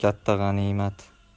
ham katta g'animat